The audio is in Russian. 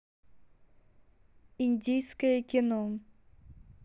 индийский кино